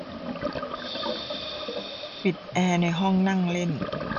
ปิดแอร์ในห้องนั่งเล่น